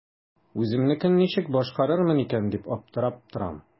Үземнекен ничек башкарырмын икән дип аптырап торам.